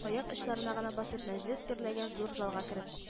Аяк очларына гына басып мәҗлес гөрләгән зур залга кереп